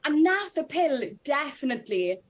A nath y pil definitely